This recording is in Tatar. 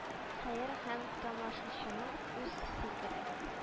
Хәер һәр тамашачының үз фикере